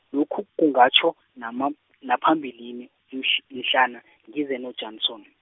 lokhu kungatjho, nama- naphambilini, mhl- mhlana ngize noJanson.